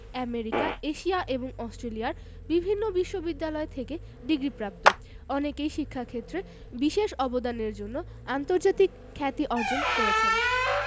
America Asia এবং অস্ট্রেলিয়ার বিভিন্ন বিশ্ববিদ্যালয় থেকে ডিগ্রিপ্রাপ্ত অনেকেই শিক্ষাক্ষেত্রে বিশেষ অবদানের জন্য আন্তর্জাতিক খ্যাতি অর্জন করেছেন